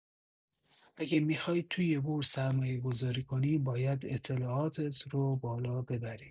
اگه می‌خوای توی بورس سرمایه‌گذاری کنی، باید اطلاعاتت رو بالا ببری.